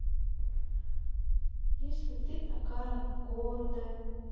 если ты такая гордая